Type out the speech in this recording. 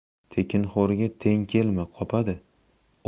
tekinxo'rga teng kelma qopadi